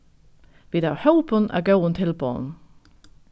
vit hava hópin av góðum tilboðum